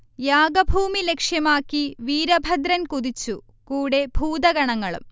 യാഗഭൂമി ലക്ഷ്യമാക്കി വീരഭദ്രൻ കുതിച്ചു കൂടെ ഭൂതഗണങ്ങളും